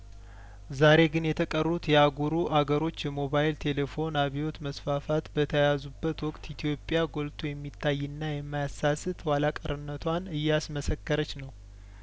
ዛሬ ግን የተቀሩት የአህጉሩ አገሮች የሞባይል ቴሌፎን አብዮት መስፋፋት በተያያዙበት ወቅት ኢትዮጵያ ጐልቶ የሚታይና የማያሳስት ኋላ ቀረነቷን እያስመሰከረች ነው